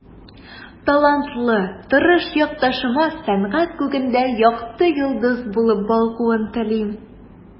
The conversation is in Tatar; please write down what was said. Талантлы, тырыш якташыма сәнгать күгендә якты йолдыз булып балкуын телим.